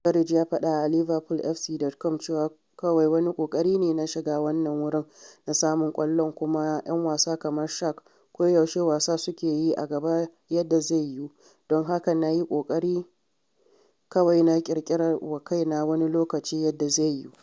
Sturridge ya faɗa a LiverpoolFC.com cewa “Kawai wani ƙoƙari ne na shiga wannan wurin, na samun ƙwallon kuma ‘yan wasa kamar Shaq koyaushe wasa suke yi a gaba yadda zai yiwu, don haka na yi ƙoƙari ne kawai na ƙirƙira wa kaina wani lokaci yadda zai yiwu.”